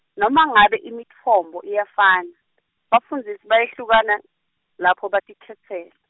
noma ngabe imitfombo iyafana, bafundzisi bayehlukana, lapho batikhetsela.